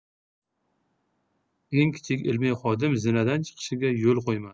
eng kichik ilmiy xodim zinadan chiqishiga yo'l qo'ymadi